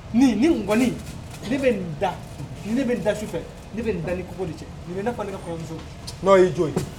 Ni ni n ŋɔni ne bɛ nin da ne bɛ da su fɛ ne bɛ dalioli cɛ nin bɛ ne ka n'o ye jɔn ye